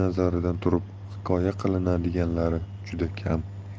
nazaridan turib hikoya qilinadiganlari juda kam